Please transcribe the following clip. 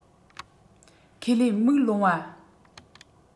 ཁས ལེན མིག ལོང བ